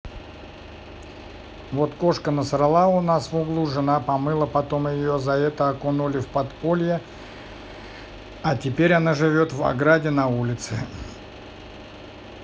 вот кошка насрала у нас в углу жена помыла потом ее за это окунули в подполье а теперь она живет в ограде на улице